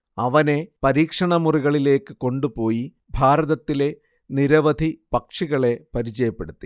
അവനെ പരീക്ഷണമുറികളിലേക്കു കൊണ്ടുപോയി ഭാരതത്തിലെ നിരവധി പക്ഷികളെ പരിചയപ്പെടുത്തി